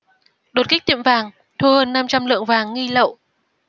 đột kích tiệm vàng thu hơn năm trăm lượng vàng nghi lậu